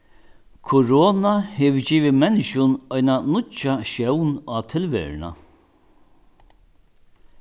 korona hevur givið menniskjum eina nýggja sjón á tilveruna